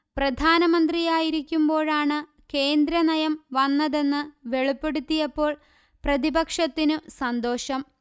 പ്രധാനമന്ത്രിയായിരിക്കുമ്പോഴാണ് കേന്ദ്രനയം വന്നതെന്ന് വെളിപ്പെടുത്തിയപ്പോൾ പ്രതിപക്ഷത്തിനു സന്തോഷം